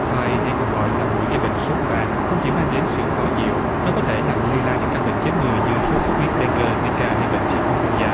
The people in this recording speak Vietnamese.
thai hay còn gọi là muỗi gây bệnh sốt vàng không chỉ mang đến sự khó chịu nó có thể làm lây lan những căn bệnh chết người như sốt xuất huyết đen gờ di ca hay bệnh chi cun cun gia